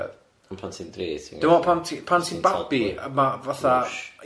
Ond pan ti'n dri ti'n gallu... Dwi'n me'l pan ti pan ti'n babi a ma' fatha... mwsh? .